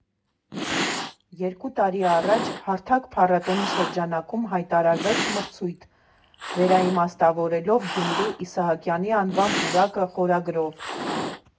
Երկու տարի առաջ «Հարթակ» փառատոնի շրջանակում հայտարարվեց մրցույթ՝ «Վերաիմաստավորելով Գյումրու Իսահակյանի անվան պուրակը» խորագրով։